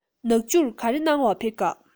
ནག ཆུར ག རེ གནང བར ཕེབས ཀ